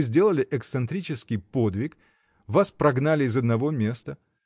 вы сделали эксцентрический подвиг, вас прогнали из одного места.